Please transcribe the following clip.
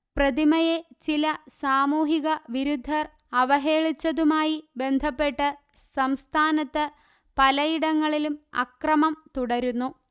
പ്രതിമയെ ചില സാമൂഹികവിരുദ്ധർ അവഹേളിച്ചതുമായി ബന്ധപ്പെട്ട് സംസ്ഥാനത്ത് പലയിടങ്ങളിലും അക്രമം തുടരുന്നു